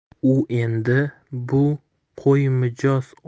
u endi bu qo'y mijoz